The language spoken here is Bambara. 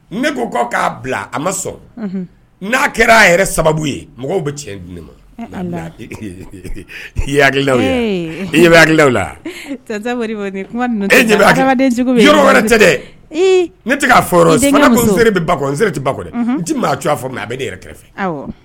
Ne ko k'a bila a ma sɔn n'a kɛra' yɛrɛ sababu ye mɔgɔw bɛ cɛn di maki laden yɔrɔ wɛrɛ dɛ neere bɛ ba sera tɛ ba dɛ ji maa fɔ mɛ a bɛ ne yɛrɛ kɛrɛfɛ